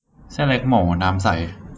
เส้นเล็กหมูน้ำใส